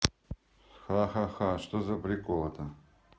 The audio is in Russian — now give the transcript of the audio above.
ха ха ха что за приколы что то